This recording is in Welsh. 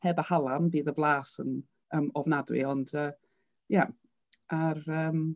Heb y halen bydd y blas yn yym ofnadwy, ond yy ie a'r yym...